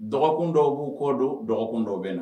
Dɔgɔkun dɔw b'u kɔ don dɔgɔkun dɔw bɛ na.